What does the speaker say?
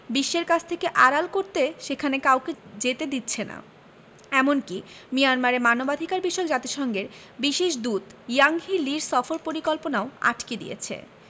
বিশ্বের কাছ থেকে আড়াল করতে সেখানে কাউকে যেতে দিচ্ছে না এমনকি মিয়ানমারে মানবাধিকারবিষয়ক জাতিসংঘের বিশেষ দূত ইয়াংহি লির সফর পরিকল্পনাও আটকে দিয়েছে